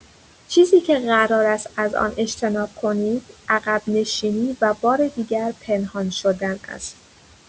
چیزی که قرار است از آن اجتناب کنید، عقب‌نشینی و بار دیگر پنهان‌شدن است.